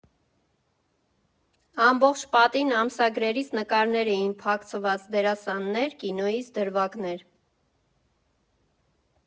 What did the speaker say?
Ամբողջ պատին ամսագրերից նկարներ էին փակցված՝ դերասաններ, կինոյից դրվագներ։